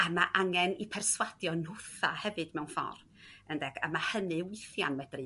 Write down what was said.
a ma' angen i perswadio nhwtha hefyd mewn ffor' ynde? A ma' hynny w'ithia'n medru